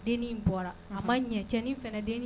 Denin